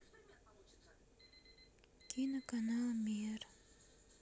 киноканал мир